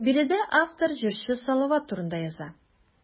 Биредә автор җырчы Салават турында яза.